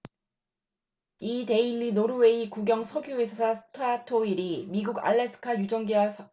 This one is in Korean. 이데일리 노르웨이 국영석유회사 스타토일이 미국 알래스카 유전개발 사업을 포기했다